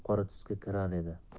qora tusga kirar edi